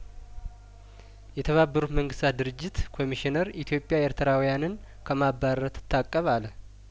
የተባበሩት መንግስታት ድርጅት ኮሚሽነር ኢትዮጵያኤርትራዊያንን ከማባረርት ታቀብ አለ